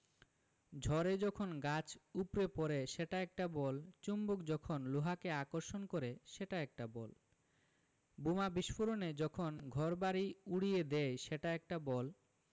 ঝড়ে যখন গাছ উপড়ে পড়ে সেটা একটা বল চুম্বক যখন লোহাকে আকর্ষণ করে সেটা একটা বল বোমা বিস্ফোরণে যখন ঘরবাড়ি উড়িয়ে দেয় সেটা একটা বল